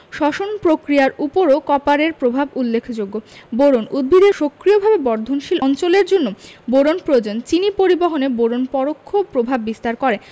শ্বসন প্রক্রিয়ার উপরও কপারের প্রভাব উল্লেখযোগ্য বোরন উদ্ভিদের সক্রিয়ভাবে বর্ধনশীল অঞ্চলের জন্য বোরন প্রয়োজন চিনি পরিবহনে বোরন পরোক্ষ প্রভাব বিস্তার করে